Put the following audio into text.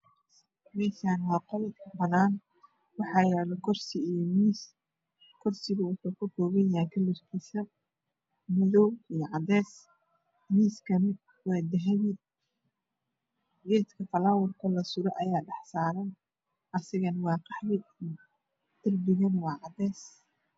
Meeshaani waa qol banaan waxaa yaalo kursi iyo miis kursiga wuxuu ka koobanyahay kalarkiisa madow iyo cadays miiskana waa dahabi geedka falaawerka la sure ayaa dhex taagan asagana waa qalin darbigana waa cadays